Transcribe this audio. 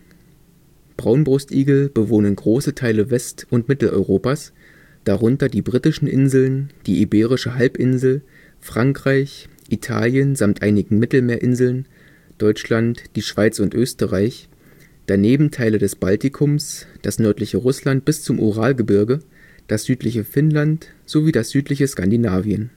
Braunbrustigel bewohnen große Teile West - und Mitteleuropas, darunter die Britischen Inseln, die Iberische Halbinsel, Frankreich, Italien samt einigen Mittelmeerinseln, Deutschland, die Schweiz und Österreich; daneben Teile des Baltikums, das nördliche Russland bis zum Uralgebirge, das südliche Finnland sowie das südliche Skandinavien